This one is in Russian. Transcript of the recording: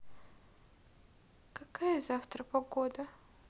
какая завтра погода